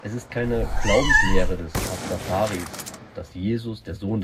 Es ist keine Glaubenslehre der Pastafaris, dass Jesus der Sohn